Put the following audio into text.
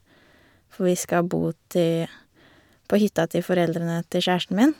For vi skal bo ti på hytta til foreldrene til kjæresten min.